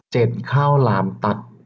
เจ็ดข้าวหลามตัด